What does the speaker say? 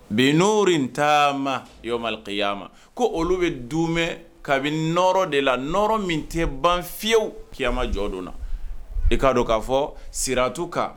Bi n' taama yɔrɔma ya ma ko olu bɛ di kabini nɔrɔ de la n nɔɔrɔ min tɛ ban fiyewuw keyama jɔdon na i'a dɔn k'a fɔ siratu kan